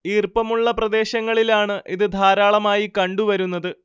ഈർപ്പമുള്ള പ്രദേശങ്ങളിലാണ് ഇത് ധാരാളമായി കണ്ടുവരുന്നത്